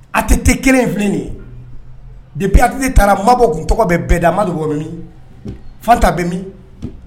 A tɛ tɛ kelen filɛ de ye de bi taara mabɔ tun tɔgɔ bɛ bɛɛ damama wɔɔrɔ min fanta bɛ min